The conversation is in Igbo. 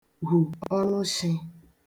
hù ọnụshị̄